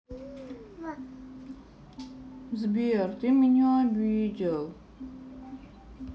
сбер ты меня обидел